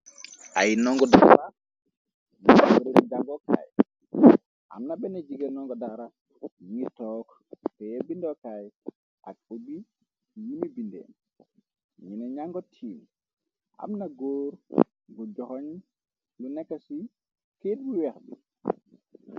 Ay ndongo daxwa nbbre dagokaay amna benné jigé ndongo dara ni took te bindokaay ak buj bi yimi binde niné njango tiim amna góor ngu joxoñ lu nekk ci keet wiweex bi.